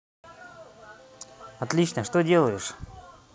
отлично что делаешь